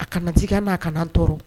A kana ci n'a kana tɔɔrɔ